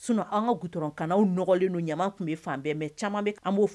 Ka g dɔrɔnkanwlen ɲama tun bɛ fan caman